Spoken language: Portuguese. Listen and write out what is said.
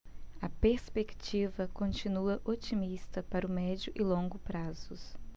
a perspectiva continua otimista para o médio e longo prazos